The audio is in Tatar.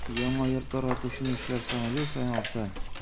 Яңа йортларга күченүчеләр саны ел саен арта.